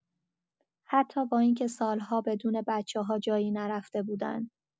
حتی با اینکه سال‌ها بدون بچه‌ها جایی نرفته بودند.